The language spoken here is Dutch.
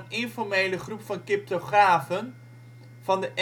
informele groep van cryptografen van de